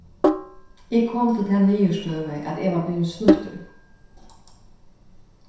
eg kom til ta niðurstøðu at eg var blivin snýttur